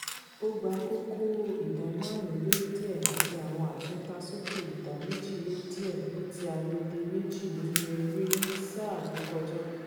Ó gba kókó 5.6 àti àwọn àtúntasókè 2.6 níti agbedeméji nínú eré ní sáà tó kọjá.